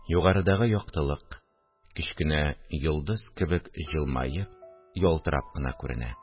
Югарыдагы яктылык, кечкенә йолдыз кебек җылмаеп, ялтырап кына күренә